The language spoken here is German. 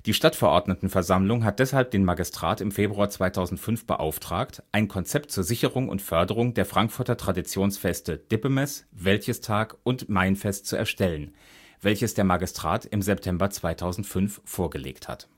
Stadtverordnetenversammlung hat deshalb den Magistrat im Februar 2005 beauftragt, ein Konzept zur Sicherung und Förderung der Frankfurter Traditionsfeste Dippemess, Wäldchestag und Mainfest zu erstellen, welches der Magistrat im September 2005 vorgelegt hat